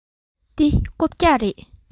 འདི རྐུབ བཀྱག རེད